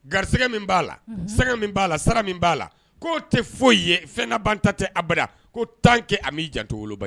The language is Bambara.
Garisɛgɛ min b'a la, unhun, sanga min b'a la, sara min b'a la, k'o tɛ foyi ye, fɛn ban ta tɛ abada, a ko tant que a m'i janto woloba la.